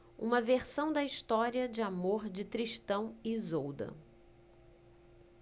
uma versão da história de amor de tristão e isolda